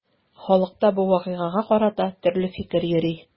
Халыкта бу вакыйгага карата төрле фикер йөри.